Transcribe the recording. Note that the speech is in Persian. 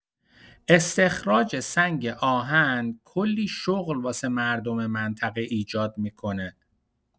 استخراج سنگ‌آهن کلی شغل واسه مردم منطقه ایجاد می‌کنه.